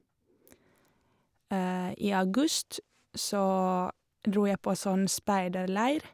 I august så dro jeg på sånn speiderleir.